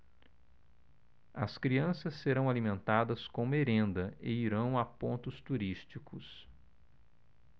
as crianças serão alimentadas com merenda e irão a pontos turísticos